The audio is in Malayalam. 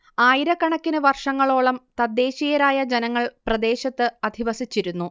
ആയിരക്കണക്കിന് വർഷങ്ങളോളം തദ്ദേശീയരായ ജനങ്ങൾ പ്രദേശത്ത് അധിവസിച്ചിരുന്നു